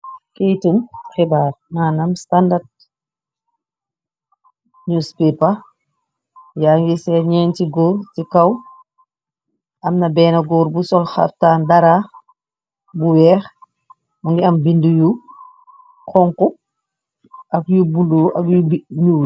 Kéyti xibaaar manam standard news paper yangi see nyenti goor si kaw amna bena goor busol khaftaan daraa bu weex mungi am bindeu yu xonxu ak yu bulo ak yu nyuul